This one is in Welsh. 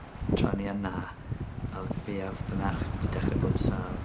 Tra o'n i ynaodd fi a fy merch 'di dechre bo' yn sâl.